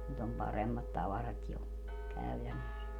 nyt on paremmat tavarat jo käytännössä